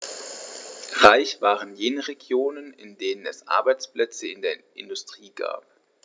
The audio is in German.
Reich waren jene Regionen, in denen es Arbeitsplätze in der Industrie gab.